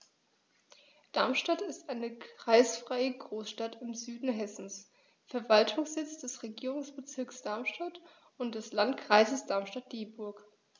Darmstadt ist eine kreisfreie Großstadt im Süden Hessens, Verwaltungssitz des Regierungsbezirks Darmstadt und des Landkreises Darmstadt-Dieburg.